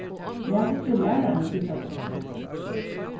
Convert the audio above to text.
latið ikki læraran síggja tykkum